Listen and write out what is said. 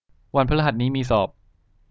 วันพฤหัสนี้มีสอบ